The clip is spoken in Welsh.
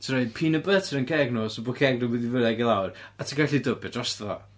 Ti'n rhoi peanut butter yn ceg nhw so bo' ceg nhw'n mynd i fyny ac i lawr, a ti'n gallu dybio drosdo fo.